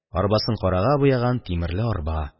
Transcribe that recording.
Арбасын карага буяган, тимерле арба.